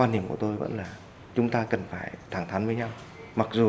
quan điểm của tôi vẫn là chúng ta cần phải thẳng thắn với nhau mặc dù